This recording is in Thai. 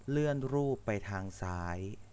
เลื่อนรูปไปทางซ้าย